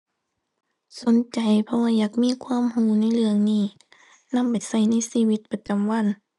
สนใจ เพราะว่าอยากมีความรู้ในเรื่องนี้ นำไปรู้ในชีวิตประจำวัน